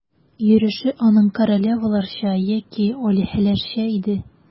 Йөреше аның королеваларча яки алиһәләрчә иде.